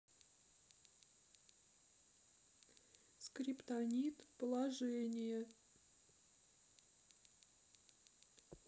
скриптонит положение